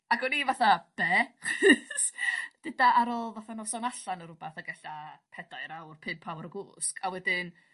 ...ac o'n i fatha be'? Deda ar ôl fatha noson allan ne' rwbath ag ella pedair awr pump awr o gwsg a wedyn